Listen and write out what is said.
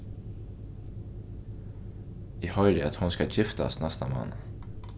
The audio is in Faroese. eg hoyri at hon skal giftast næsta mánað